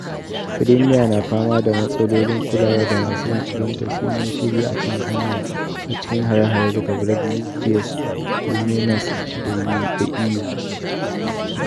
Fremiya na fama da matsalolin kulawa da masu bincikenta sunyi shiri akan hanya a cikin hare-hare daga Brexiteers, Remainers da EU.